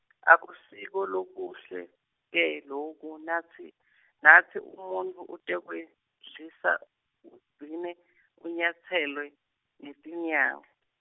akusiko lokuhle ke loku natsi , natsi umuntfu utelwedliza- -dlini unyatselwe ngetinyawo.